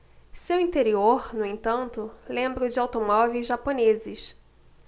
seu interior no entanto lembra o de automóveis japoneses